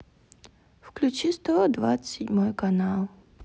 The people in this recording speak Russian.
включи сто двадцать седьмой канал